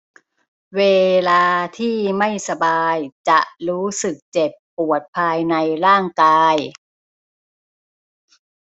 เวลาที่ไม่สบายจะรู้สึกเจ็บปวดภายในร่างกาย